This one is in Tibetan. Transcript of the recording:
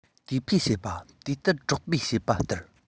དེ ཕོས བཤད པ དེ ལྟར གྲོགས པོས བཤད པ ལྟར